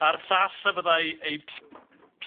A'r llall y byddai ei